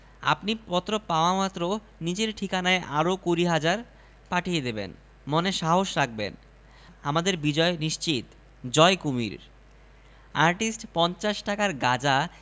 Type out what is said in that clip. আপনি পত্র পাওয়ামাত্র নিচের ঠিকানায় আরো কুড়ি হাজার পাঠিয়ে দেবেন মনে সাহস রাখবেন আমাদের বিজয় নিশ্চিত জয় কুমীর আর্টিস্ট পঞ্চাশ টাকার গাঁজা